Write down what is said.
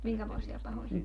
minkämoisia pahoja